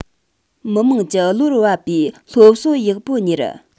མི དམངས ཀྱི བློར བབ པའི སློབ གསོ ཡག པོ གཉེར